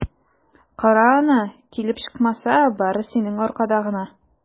Кара аны, килеп чыкмаса, бары синең аркада гына!